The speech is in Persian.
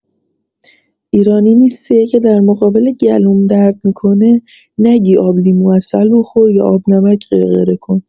ایرانی نیستی اگر در مقابل گلوم درد می‌کنه نگی آبلیمو عسل بخور یا آبنمک غرغره کن